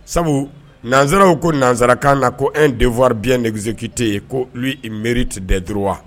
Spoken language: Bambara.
Sabu nanzraw ko nanzsarakan na ko e defawa bi nɛgɛgzekite ye ko miiri tɛ da duuruuru wa